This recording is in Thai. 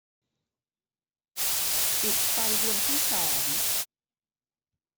ปิดไฟดวงที่สอง